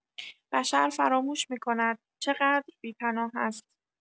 بشر فراموش می‌کند چقدر بی‌پناه است.